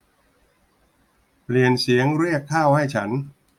เปลี่ยนเสียงเรียกเข้าให้ฉัน